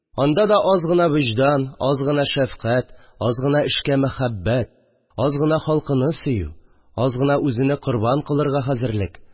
Анда да аз гына вөҗдан, аз гына шәфкать, аз гына эшкә мәхәббәт, аз гына халкыны сөю, аз гына үзене корбан кылырга хәзерлек